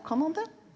kan han det?